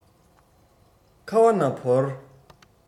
ཁ བ ན བོར